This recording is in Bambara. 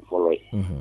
Fɔlɔ ye, unhun.